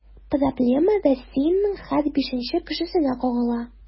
Проблема Россиянең һәр бишенче кешесенә кагыла.